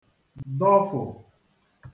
dọfụ̀